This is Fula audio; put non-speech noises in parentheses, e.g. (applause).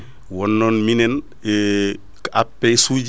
wonno minen (hesitation) ko APS suji